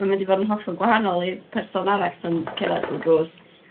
Ma' mynd i fod yn hollol gwahanol i person arall sa'n cera trw drws.